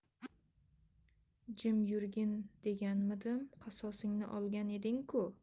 jim yurgin deganmidim qasosingni olgan eding ku